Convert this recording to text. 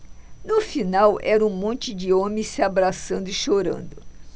no final era um monte de homens se abraçando e chorando